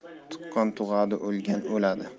tuqqan tug'adi o'lgan o'ladi